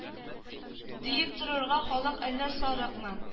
Диеп торырга халык әллә сарыкмы